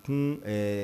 Un eee